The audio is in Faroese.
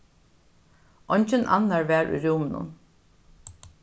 eingin annar var í rúminum